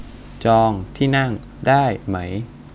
จองที่นั่งได้ไหม